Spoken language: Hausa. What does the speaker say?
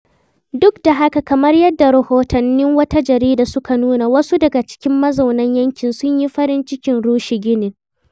Duk da haka, kamar yadda rahotannin wata jarida suka nuna, wasu daga cikin mazauna yankin sun yi farin cikin rushe ginin.